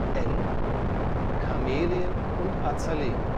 N: Kamelien und Azaleen